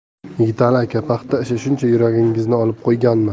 yigitali aka paxta ishi shuncha yuragingizni olib qo'yganmi